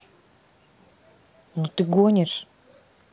ну ты гонишь